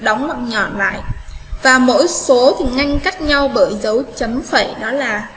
đóng lại và mỗi số từ ngăn cách nhau bởi dấu chấm phẩy nó là